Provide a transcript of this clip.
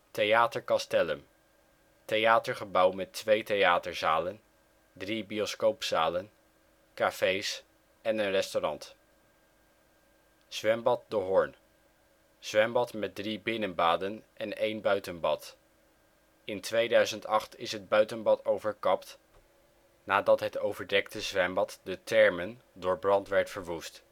Theater Castellum: theatergebouw met twee theaterzalen, drie bioscoopzalen, cafés en een restaurant. Zwembad De Hoorn: Zwembad met 3 binnenbaden en 1 buitenbad. In 2008 is het buitenbad overkapt nadat het overdekte zwembad De Thermen door brand werd verwoest